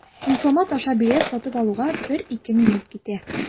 Инфомат аша билет сатып алуга 1-2 минут китә.